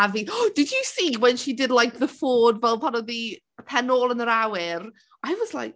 A fi did you see when she did like the forward fel pan oedd hi pen ôl yn yr awyr? I was like...